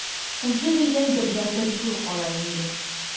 Үзе белгән бердәнбер юл кала инде.